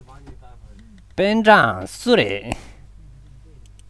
པེན ཀྲང སུ རེད